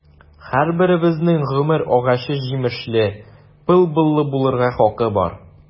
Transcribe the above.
Һәрберебезнең гомер агачы җимешле, былбыллы булырга хакы бар.